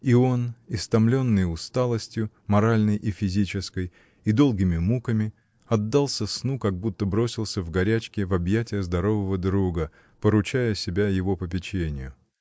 И он, истомленный усталостью, моральной и физической, и долгими муками, отдался сну, как будто бросился в горячке в объятия здорового друга, поручая себя его попечению.